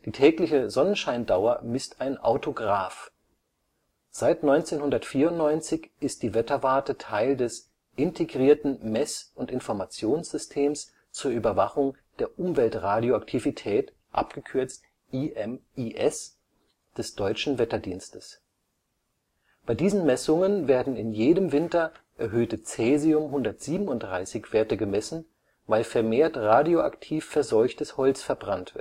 tägliche Sonnenscheindauer misst ein Autograf. Seit 1994 ist die Wetterwarte Teil des Integrierten Mess - und Informationssystems zur Überwachung der Umweltradioaktivität (IMIS) des Deutschen Wetterdienstes. Bei diesen Messungen werden in jedem Winter erhöhte Caesium-137-Werte gemessen, weil vermehrt radioaktiv verseuchtes Holz verbrannt